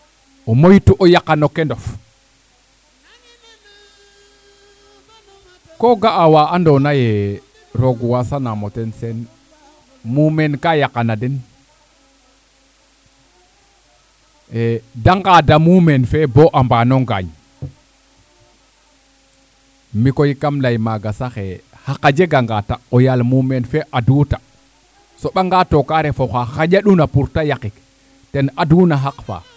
o moytu o yaqano kendof ko ga'a wa ando naye roog wasanamo ten muumeen ka yaqana den de ngada muumeen fe bo a wagano gaañmikoy kam ley maaga saxe xaqa jega nga ta o yaal mumeef fe adwu ta soɓa nga kata ref oxa xaƴa nuna pour te yaqik ten adwu na xaq fa